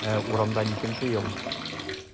Ә урамда ничәнче ел?